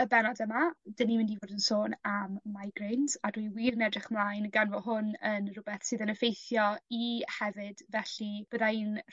y bennod yma 'dyn ni mynd i fod yn sôn am migraines a dwi wir yn edrych ymlaen gan fo hwn yn rwbeth sydd yn effeithio i hefyd felly bydda i'n